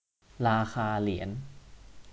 ราคาเหรียญ